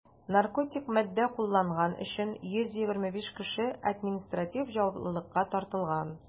Наркотик матдә кулланган өчен 125 кеше административ җаваплылыкка тартылган.